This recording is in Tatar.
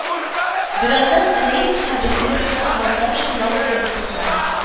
Бераздан Рәис Хөбетдиновны монтаж-сынау комплексына